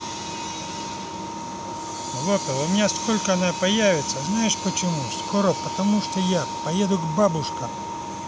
looper у меня сколько она появится знаешь почему скоро потому что я поеду к бабушкам